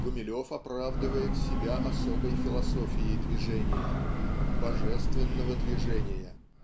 Гумилев оправдывает себя особой философией движения "божественного движения"